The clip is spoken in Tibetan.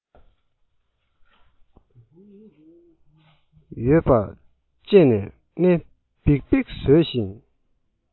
ཡོད པ བཅད ནས སྣེ འབིག འབིག བཟོས ཤིང